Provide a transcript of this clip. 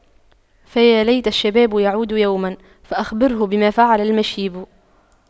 فيا ليت الشباب يعود يوما فأخبره بما فعل المشيب